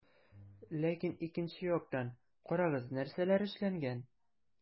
Ләкин икенче яктан - карагыз, нәрсәләр эшләнгән.